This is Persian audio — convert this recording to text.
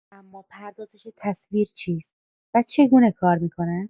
اما پردازش تصویر چیست و چگونه کار می‌کند؟